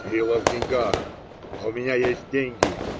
- Сила в деньгах, а у меня есть деньги.